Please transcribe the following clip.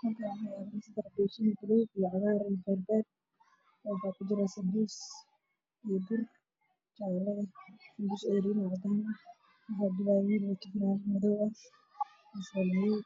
Meeshaan maxaa iiga muuqday sambuus iyo bur shiilan oo ku jira sakaallo buluug ah dad ayaa iibsanaya